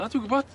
Na dwi gwbod.